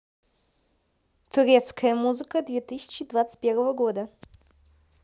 турецкая музыка две тысячи двадцать первого года